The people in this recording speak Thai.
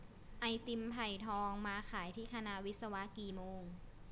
ไอติมไผ่ทองมาขายที่คณะวิศวะกี่โมง